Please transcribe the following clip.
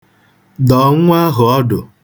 Dọọ nwa ahụ ọdụ.